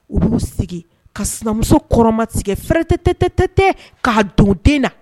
U b'u sigi ka sinamuso kɔrɔma tigɛ fɛrɛntɛtɛ k'a don den na.